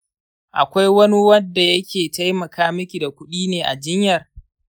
akwai wani wadda yake taimaka miki da kudi ne a jinyar?